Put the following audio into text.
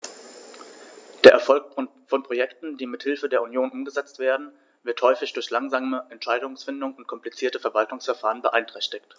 Der Erfolg von Projekten, die mit Hilfe der Union umgesetzt werden, wird häufig durch langsame Entscheidungsfindung und komplizierte Verwaltungsverfahren beeinträchtigt.